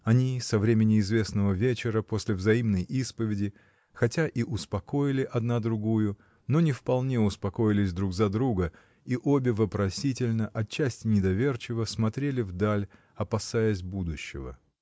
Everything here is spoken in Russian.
Они, со времени известного вечера, после взаимной исповеди, хотя и успокоили одна другую, но не вполне успокоились друг за друга, и обе вопросительно, отчасти недоверчиво, смотрели вдаль, опасаясь будущего.